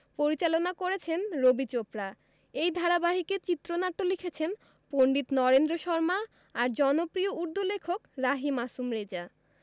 পরিচালনা করেছেন রবি চোপড়া এই ধারাবাহিকের চিত্রনাট্য লিখেছেন পণ্ডিত নরেন্দ্র শর্মা আর জনপ্রিয় উর্দু লেখক রাহি মাসুম রেজা